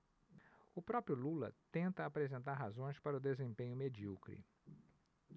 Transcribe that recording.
o próprio lula tenta apresentar razões para o desempenho medíocre